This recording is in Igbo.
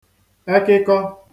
ẹkịkọ